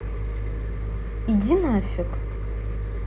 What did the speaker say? иди на фиг